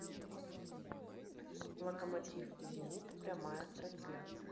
локомотив зенит прямая трансляция